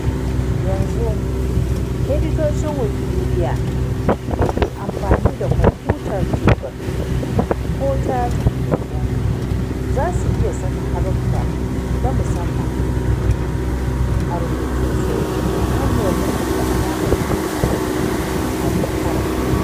Yanzu, editocin Wikipedia da ke amfani da kwamfutar tebur ko ta tafi-da-gidanka za su iya saka haruffa na musamman a rubutunsu ta hanyar rubuta alamar tilde (~) kafin harafin